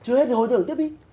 chưa hết thì hồi tưởng tiếp đi